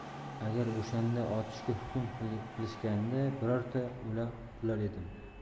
agar o'shanda otishga hukm qilishganida birato'la qutular edim